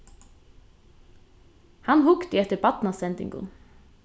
hann hugdi eftir barnasendingum